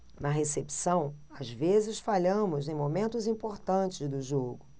na recepção às vezes falhamos em momentos importantes do jogo